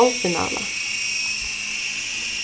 hálvfinala